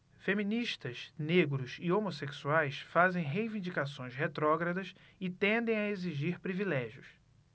feministas negros e homossexuais fazem reivindicações retrógradas e tendem a exigir privilégios